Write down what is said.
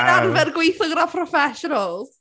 Fi'n arfer gweithio gyda professionals!